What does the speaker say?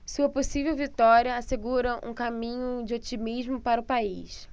sua possível vitória assegura um caminho de otimismo para o país